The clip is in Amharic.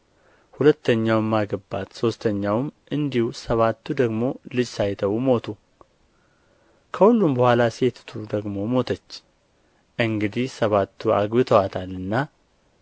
ሁለተኛውም አገባት ሦስተኛውም እንዲሁም ሰባቱ ደግሞ ልጅ ሳይተዉ ሞቱ ከሁሉም በኋላ ሴቲቱ ደግሞ ሞተች እንግዲህ ሰባቱ አግብተዋታልና